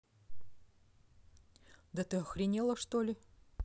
да ты охренела что ли